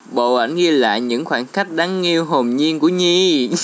bộ ảnh ghi lại những khoảnh khắc đáng yêu hồn nhiên của nhi